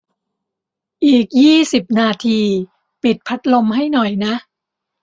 อีกยี่สิบนาทีปิดพัดลมให้หน่อยนะ